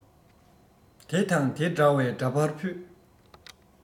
དེ དང དེ འདྲ བའི འདྲ པར ཕུད